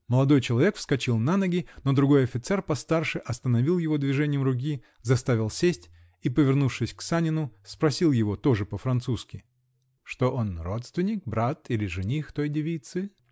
Молодой человек вскочил на ноги, но другой офицер, постарше, остановил его движением руки, заставил сесть и, повернувшись к Санину, спросил его, тоже по-французски: -- Что, он родственник, брат или жених той девицы?